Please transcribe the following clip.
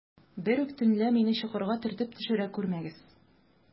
Берүк төнлә мине чокырга төртеп төшерә күрмәгез.